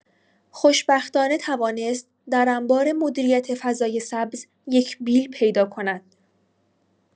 خوشبختانه توانست در انبار مدیریت فضای سبز یک بیل پیدا کند.